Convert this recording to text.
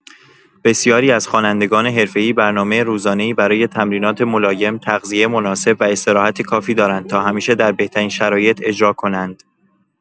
بسیاری از خوانندگان حرفه‌ای برنامه روزانه‌ای برای تمرینات ملایم، تغذیه مناسب و استراحت کافی دارند تا همیشه در بهترین شرایط اجرا کنند.